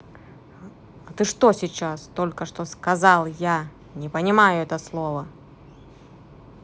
а ты что сейчас только что то сказал я не понимаю это слово